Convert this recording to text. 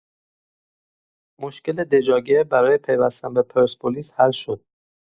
مشکل دژاگه برای پیوستن به پرسپولیس حل شد.